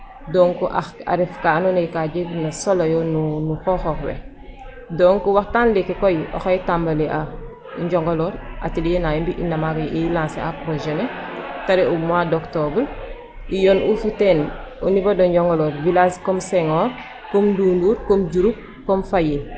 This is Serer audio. Donc ax a ref ka andoona yee ka jegna solooyo no no xooxoox we .Donc waxtan leeke koy oxey tambale'aa o Ndiongolor atelier na i mbi'ina maaga yee i lancer a projet ne ta re'u mois d' octobre i yoon fo ten au nivau de Ndiongolor village comme Senghor comme Ndoundour comme Diouroup comme Fayeen.